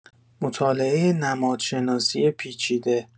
مطالعه نمادشناسی پیچیده